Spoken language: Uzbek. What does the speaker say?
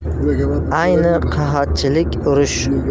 ayni qahatchilik urush